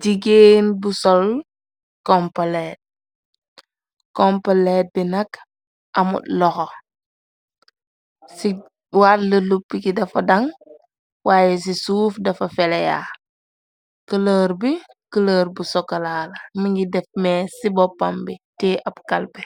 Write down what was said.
J̌igeen bu sol kompaleet kompalet bi nak amu loxo ci wàll lubb ki dafa daŋ waaye ci suuf dafa feleya këlër bi këlër bu sokolaala mi ngi def mee ci boppam bi tee ab kalbe